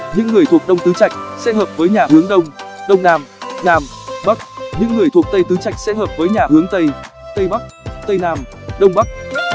những người thuộc đông tứ trạch sẽ hợp với nhà hướng đông đông nam nam bắc những người thuộc tây tứ trạch sẽ hợp với nhà hướng tây tây bắc tây nam đông bắc